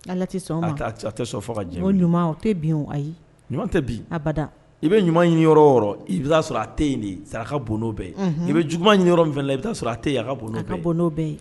Sɔn tɛ fɔ ka ɲuman tɛ bin ayi tɛ abada i bɛ ɲuman ɲini i bɛ' sɔrɔ a tɛ yen de saraka bon bɛ i bɛ juma ɲinin fana i bɛ' sɔrɔ a tɛ bo ka bɔno bɛ ye